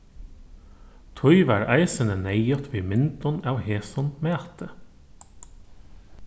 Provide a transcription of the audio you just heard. tí var eisini neyðugt við myndum av hesum mati